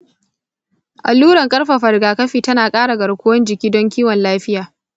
alluran karfara rigakafi tana kara garkuwan jiki don kiwon lafiya.